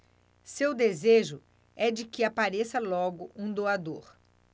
seu desejo é de que apareça logo um doador